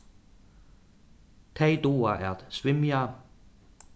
tey duga at svimja